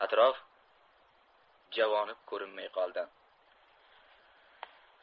atrof javonib ko'rinmay qoldi